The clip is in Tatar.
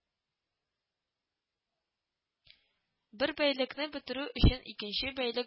Бер бәйлекне бетерү өчен икенче бәйл